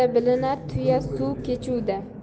bilinar tuya suv kechuvda